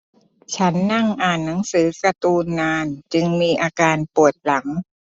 ฉันนั่งอ่านหนังสือการ์ตูนนานจึงมีอาการปวดหลัง